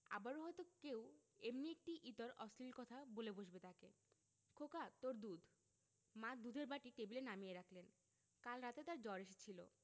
আবারো হয়তো কেউ এমনি একটি ইতর অশ্লীল কথা বলে বসবে তাকে খোকা তোর দুধ মা দুধের বাটি টেবিলে নামিয়ে রাখলেন কাল রাতে তার জ্বর এসেছিল